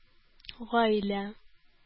Гаилә